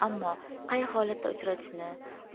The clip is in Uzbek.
ammo qay holatda uchratishni